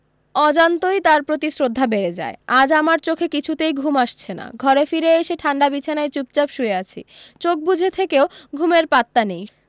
অজান্তই তার প্রতি শ্রদ্ধা বেড়ে যায় আজ আমার চোখে কিছুতেই ঘুম আসছে না ঘরে ফিরে এসে ঠান্ডা বিছানায় চুপচাপ শুয়ে আছি চোখ বুঁজে থেকেও ঘুমের পাত্তা নেই